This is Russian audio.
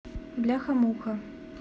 бляха муха